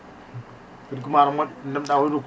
kadi ko maaro moƴƴo ndemɗaa koye ndunngu